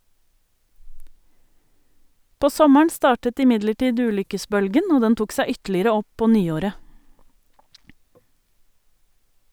På sommeren startet imidlertid ulykkesbølgen, og den tok seg ytterligere opp på nyåret.